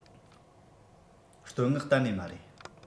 བསྟོད བསྔགས གཏན ནས མ རེད